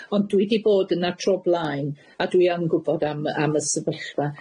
Ond dwi 'di bod yna tro blaen, a dwi yn gwbod am y am y sefyllfa.